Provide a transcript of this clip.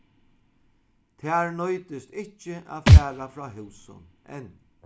tær nýtist ikki at fara frá húsum enn